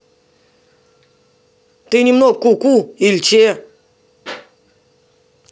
ты немного куку или че